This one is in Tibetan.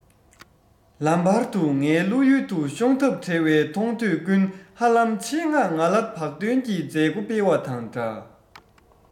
ལམ བར དུ ངའི བློ ཡུལ དུ ཤོང ཐབས བྲལ བའི མཐོང ཐོས ཀུན ཧ ལམ ཆེད མངགས ང ལ བག སྟོན གྱི མཛད སྒོ སྤེལ བ དང འདྲ